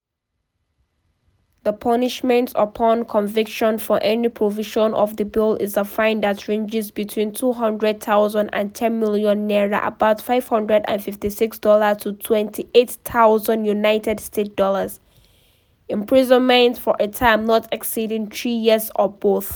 The punishment upon conviction for any provisions of the bill is a fine that ranges between 200,000 and 10 million naira [about $556 to $28,000 United States dollars], imprisonment for a term not exceeding three years or both.